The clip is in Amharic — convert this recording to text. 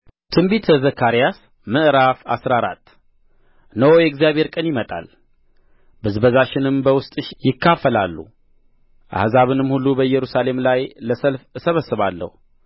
ትንቢተ ዘካርያስ ምዕራፍ አስራ አራት እነሆ የእግዚአብሔር ቀን ይመጣል ብዝበዛሽንም በውስጥሽ ይካፈላሉ አሕዛብንም ሁሉ በኢየሩሳሌም ላይ ለሰልፍ እሰበስባለሁ